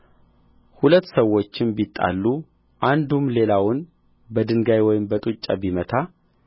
ሁለት ሰዎችም ቢጣሉ አንዱም ሌላውን በድንጋይ ወይም በጡጫ ቢመታ